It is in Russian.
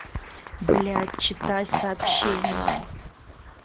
блядь читай сообщение